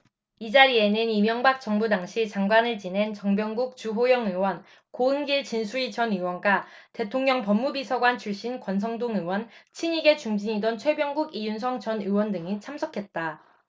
이 자리에는 이명박 정부 당시 장관을 지낸 정병국 주호영 의원 고흥길 진수희 전 의원과 대통령법무비서관 출신 권성동 의원 친이계 중진이던 최병국 이윤성 전 의원 등이 참석했다